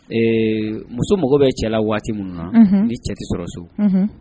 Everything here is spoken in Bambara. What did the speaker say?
Ee muso mago bɛ cɛ la waati min na, unhun, ni cɛ tɛ sɔrɔ so. Unhun